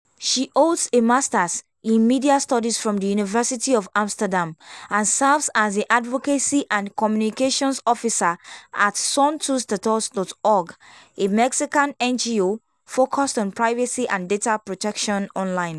She holds a Masters in Media Studies from the University of Amsterdam and serves as the Advocacy and Communications Officer at SonTusDatos.org, a Mexican NGO focused on privacy and data protection online.